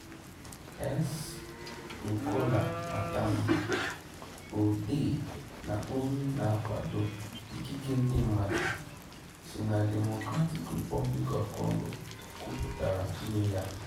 S. Nkola Matamba, òdee na onye na-akwado ikike ndị mmadụ si na Democratic Republic of Congo, kwupụtara iwe ya: